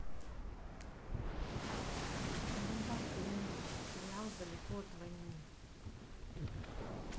заебал ты умничать сериал далеко от войны